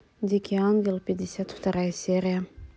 дикий ангел пятьдесят вторая серия